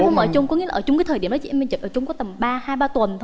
không ở chung có nghĩa là ở chung cái thời điểm ấy em chỉ ở chung có tầm ba hai ba tuần